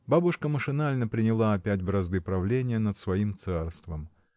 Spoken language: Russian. Бабушка машинально приняла опять бразды правления над своим царством.